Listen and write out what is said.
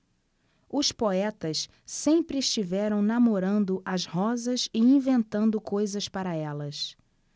os poetas sempre estiveram namorando as rosas e inventando coisas para elas